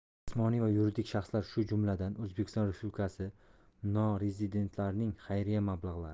jismoniy va yuridik shaxslar shu jumladan o'zbekiston respublikasi norezidentlarining xayriya mablag'lari